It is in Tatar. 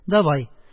Давай